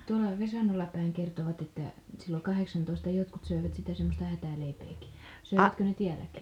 tuolla Vesannolla päin kertovat että silloin kahdeksantoista jotkut söivät sitä semmoista hätäleipääkin söivätkö ne täälläkin